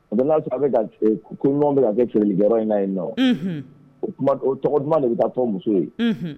A bɛ n'a sɔrɔ a koɲuman bɛ kɛ cɛlikɛ in na yen nɔ o tɔgɔ duman de bɛ taa to musow ye